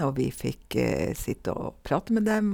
Og vi fikk sitte og prate med dem.